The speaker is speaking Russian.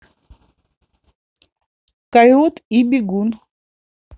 койот и бегун